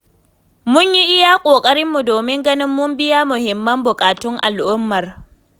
Mun yi iya ƙoƙarinmu domin ganin mun biya muhimman buƙatun al'ummar.